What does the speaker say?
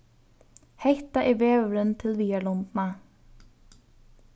hetta er vegurin til viðarlundina